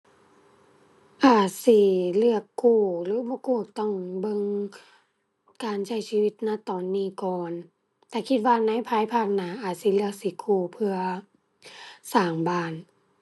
อาจสิเลือกกู้หรือบ่กู้ต้องเบิ่ง การใช้ชีวิต ณ ตอนนี้ก่อน แต่คิดว่าในภายภาคหน้าอาจสิเลือกสิกู้ เพื่อสร้างบ้าน